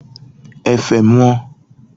efe mmụọ̄